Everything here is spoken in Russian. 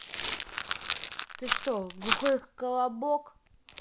ты что глухой колобок